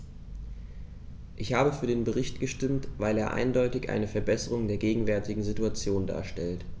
Ich habe für den Bericht gestimmt, weil er eindeutig eine Verbesserung der gegenwärtigen Situation darstellt.